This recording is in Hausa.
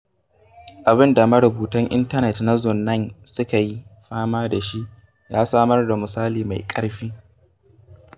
Abin da marubutan intanet na Zone9 suka yi fama da shi ya samar da misali mai ƙarfi.